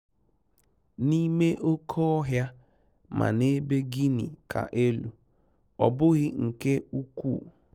N'ime oke ọhịa ma n'ebe Guinea Ka Elu, ọ bughị nke ukwuu.